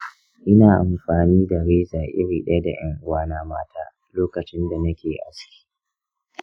ina amfani da reza iri ɗaya da ƴan uwana mata lokacin da nake aski.